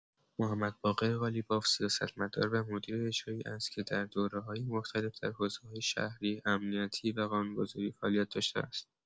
محمد باقر قالیباف سیاستمدار و مدیر اجرایی است که در دوره‌های مختلف در حوزه‌های شهری، امنیتی و قانون‌گذاری فعالیت داشته است.